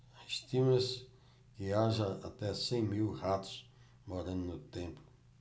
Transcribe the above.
estima-se que haja até cem mil ratos morando no templo